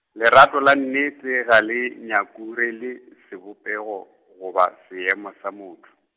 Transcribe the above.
lerato la nnete, ga le nyakurele sebopego, goba seemo sa motho.